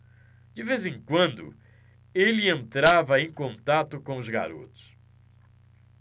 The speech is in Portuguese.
de vez em quando ele entrava em contato com os garotos